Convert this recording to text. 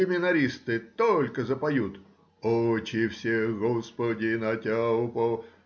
Семинаристы только запоют Очи всех, Господи, на Тя упов.